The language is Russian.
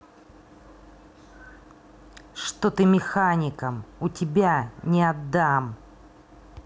что ты механиком у тебя не отдам